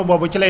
xam nañ tóli